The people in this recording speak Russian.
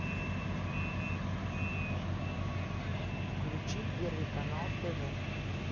включи первый канал тв